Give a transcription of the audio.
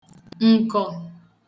ǹkọ̀